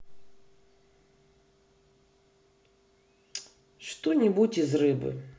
что нибудь из рыбы